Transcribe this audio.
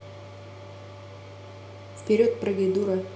вперед прыгай дура